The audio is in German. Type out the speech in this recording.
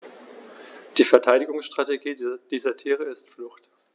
Die Verteidigungsstrategie dieser Tiere ist Flucht.